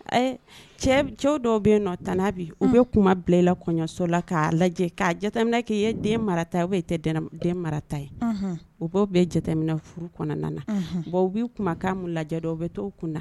Ɛɛ cɛw dɔw bɛ nɔtan' bi u bɛ kuma bilala kɔɲɔsola k'a lajɛ k'aminɛ kɛ ye den marata o marata ye o' bɛɛ jatemin furu kɔnɔna na bon u bɛ kuma k' lajɛ u bɛ to kunna